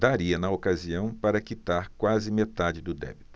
daria na ocasião para quitar quase metade do débito